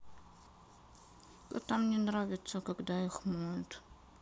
котам не нравится когда их моют